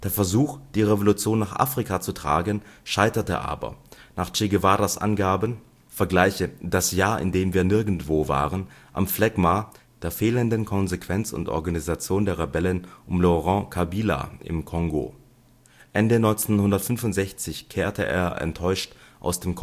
Versuch, die Revolution nach Afrika zu tragen, scheiterte aber, nach Che Guevaras Angaben (vgl. Das Jahr in dem wir nirgendwo waren) am Phlegma, der fehlenden Konsequenz und Organisation der Rebellen um Laurent Kabila im Kongo. Ende 1965 kehrte er enttäuscht aus dem Kongo